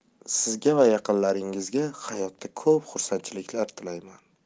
sizga va yaqinlaringizga hayotda ko'p xursandchiliklar tilayman